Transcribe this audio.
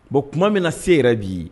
Bon tuma min na se yɛrɛ bi ye